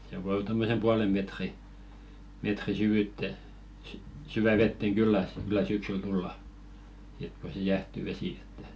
se voi tuommoisen puolen metrin metrin syvyyteen - syvään veteen kyllä kyllä syksyllä tulla sitten kun se jäähtyy vesi että